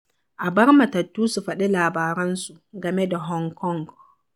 A bar matattu su faɗi labaransu game da Hong Kong